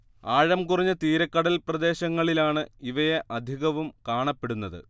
ആഴം കുറഞ്ഞ തീരക്കടൽ പ്രദേശങ്ങളിലാണ് ഇവയെ അധികവും കാണപ്പെടുന്നത്